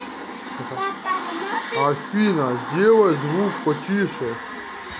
афина сделай звук потише